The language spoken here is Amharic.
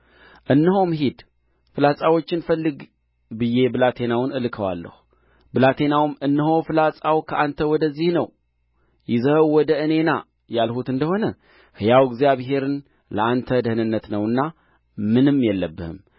እነሆም ሂድ ፍላጻዎችን ፈልግ ብዬ ብላቴናውን እልከዋለሁ ብላቴናውንም እነሆ ፍላጻው ከአንተ ወደዚህ ነው ይዘኸው ወደ እኔ ና ያልሁት እንደ ሆነ ሕያው እግዚአብሔርን ለአንተ ደኅንነት ነውና ምንም የለብህም